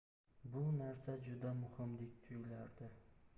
bu narsa juda muhimdek tuyulardi